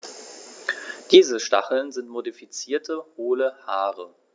Diese Stacheln sind modifizierte, hohle Haare.